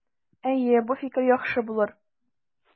Әйе, бу фикер яхшы булыр.